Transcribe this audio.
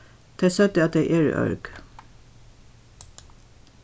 tey søgdu at tey eru ørg